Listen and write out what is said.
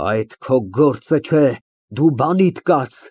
Այդ քո գործը չէ։ Դու բանիդ կաց։